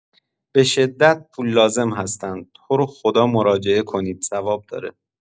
به‌شدت پول لازم هستن، تروخدا مراجعه کنید ثواب داره.